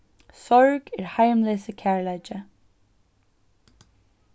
sorg er heimleysur kærleiki